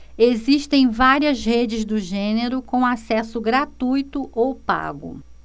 existem várias redes do gênero com acesso gratuito ou pago